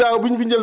waa